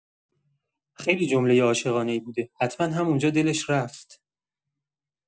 خیلی جمله عاشقانه‌ای بوده، حتما همون‌جا دلش رفت.